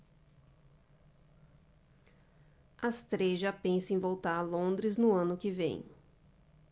as três já pensam em voltar a londres no ano que vem